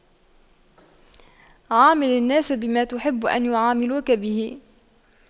عامل الناس بما تحب أن يعاملوك به